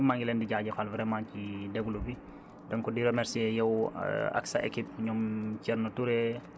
ñi nekk ci programme bi ak ñi ci nekkkul yépp te maa ngi liggéey ak ñoom ci beneen fànn ñoom ñépp maa ngi leen di jaajëfal vraiment ci déglu bi